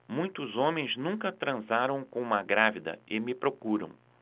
muitos homens nunca transaram com uma grávida e me procuram